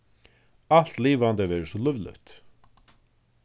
alt livandi verður so lívligt